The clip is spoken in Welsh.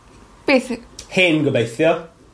Beth yy. Hen gobeithio.